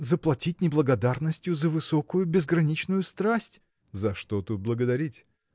– Заплатить неблагодарностью за высокую, безграничную страсть. – За что тут благодарить?